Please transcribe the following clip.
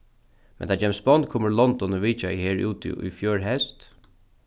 men tá james bond kom úr london og vitjaði her úti í fjør heyst